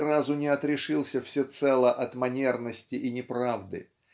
ни разу не отрешился всецело от манерности и неправды